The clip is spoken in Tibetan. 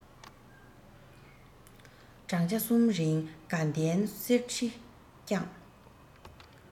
བགྲང བྱ གསུམ རིང དགའ ལྡན གསེར ཁྲི བསྐྱངས